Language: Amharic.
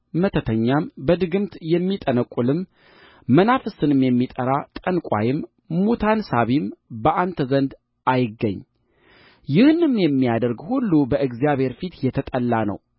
መተተኛም በድግምት የሚጠነቍልም መናፍስትንም የሚጠራ ጠንቋይም ሙታን ሳቢም በአንተ ዘንድ አይገኝ ይህንም የሚያደርግ ሁሉ በእግዚአብሔር ፊት የተጠላ ነው